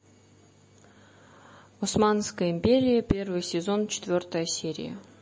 османская империя первый сезон четвертая серия